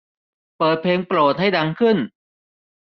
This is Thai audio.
เปิดเพลงโปรดให้ดังขึ้น